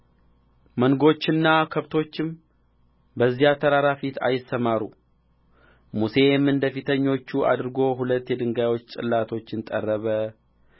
መንጎችና ከብቶችም በዚያ ተራራ ፊት አይሰማሩ ሙሴም እንደ ፊተኞቹ አድርጎ ሁለት የድንጋይ ጽላቶች ጠረበ